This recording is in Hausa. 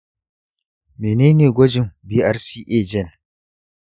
menene gwajin brca gene?